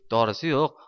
dorisi yo'q